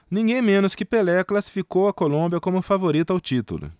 ninguém menos que pelé classificou a colômbia como favorita ao título